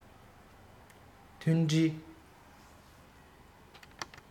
མཐུན སྒྲིལ